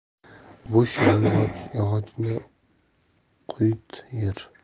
bo'sh yog'ochni quit yer